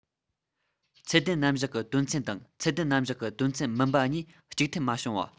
ཚད ལྡན རྣམ གཞག གི དོན ཚན དང ཚད ལྡན རྣམ གཞག གི དོན ཚན མིན པ གཉིས གཅིག མཐུན མ བྱུང བ